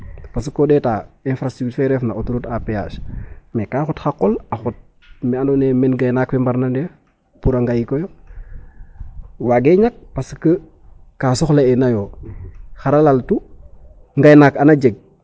Parce ko ɗeeta infrastricture fene refna auto route a péage me ka xot xa qol a xot me andoona yee men gaynaak we mbarna ndeef pour a ngayikooyo waagee ñak parce que ka soxla'eenayo xar a laltu ngaynaak xan a jeg.